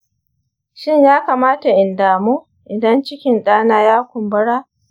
shin ya kamata in damu idan cikin ɗana ya kumbura?